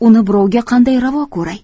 uni birovga qanday ravo ko'ray